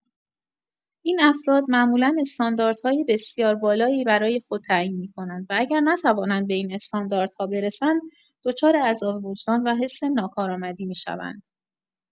این افراد معمولا استانداردهای بسیار بالایی برای خود تعیین می‌کنند و اگر نتوانند به این استانداردها برسند، دچار عذاب وجدان و حس ناکارآمدی می‌شوند.